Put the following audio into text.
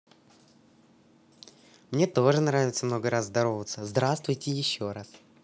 мне тоже нравится много раз здороваться здравствуйте еще раз